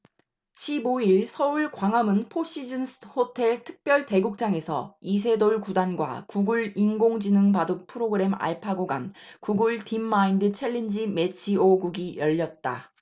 십 오 일 서울 광화문 포시즌스호텔 특별대국장서 이 아홉 단과 구글의 인공지능 바둑 프로그램 알파고 간 구글 딥마인드 챌린지 매치 오 국이 열렸다